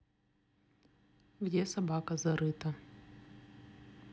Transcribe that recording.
где собака зарыта